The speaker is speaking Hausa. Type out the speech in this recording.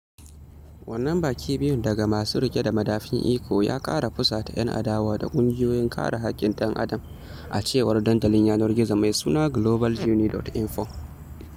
Wannan baki biyun daga masu riƙe da madafun iko ya ƙara fusata "yan adawa da ƙungiyoyin kare haƙƙin ɗan adam, a cewar dandalin yanar gizo mai suna globalguinee.info: